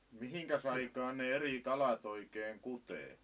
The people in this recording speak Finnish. mihinkäs aikaan ne eri kalat oikein kutee